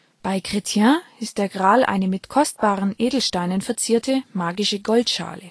Bei Chrétien ist der Gral eine mit kostbaren Edelsteinen verzierte, magische Goldschale